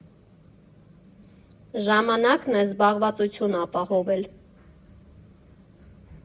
«Ժամանակն է զբաղվածություն ապահովել։